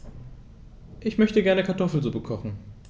Ich möchte gerne Kartoffelsuppe kochen.